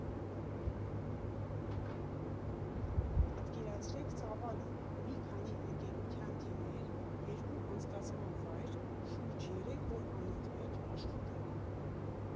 Պատկերացրեք ծավալը՝ մի քանի ընկերության թիմեր, երկու անցկացման վայր, շուրջ երեք օր անընդմեջ աշխատանք։